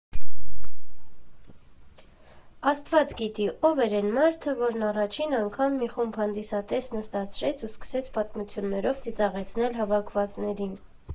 Աստված գիտի՝ ով էր էն մարդը, որն առաջին անգամ մի խումբ հանդիսատես նստեցրեց ու սկսեց պատմություններով ծիծաղեցնել հավաքվածներին.